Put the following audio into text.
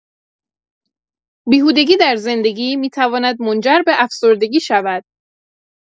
بیهودگی در زندگی می‌تواند منجر به افسردگی شود.